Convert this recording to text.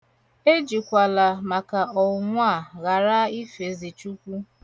Ejikwala maka ọnwụnwa a ghara ifezị Chukwu.